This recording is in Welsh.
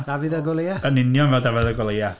Dafydd a Goliath... Yn union fel Dafydd a Goliath...